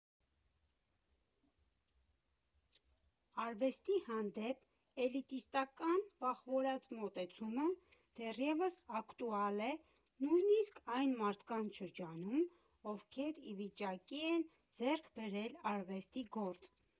Արվեստի հանդեպ էլիտիստական, վախվորած մոտեցումը դեռևս ակտուալ է նույնիսկ այն մարդկանց շրջանում, ովքեր ի վիճակի են ձեռք բերել արվեստի գործ։